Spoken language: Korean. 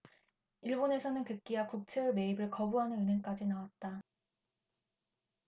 일본에서는 급기야 국채의 매입을 거부하는 은행까지 나왔다